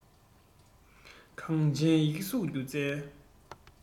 གངས ཅན ཡིག གཟུགས སྒྱུ རྩལ